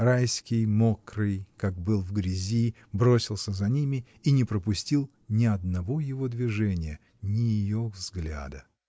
Райский, мокрый, как был в грязи, бросился за ними и не пропустил ни одного его движения, ни ее взгляда.